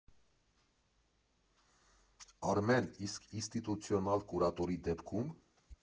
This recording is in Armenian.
Արմեն, իսկ ինստիտուցիոնալ կուրատորի դեպքո՞ւմ։